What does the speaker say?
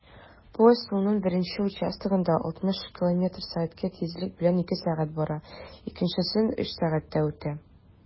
Поезд юлның беренче участогында 60 км/сәг тизлек белән 2 сәг. бара, икенчесен 3 сәгатьтә үтә.